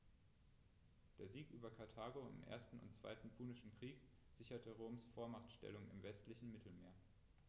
Der Sieg über Karthago im 1. und 2. Punischen Krieg sicherte Roms Vormachtstellung im westlichen Mittelmeer.